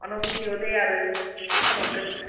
ond obviously oedd e ar y pennod gyntaf.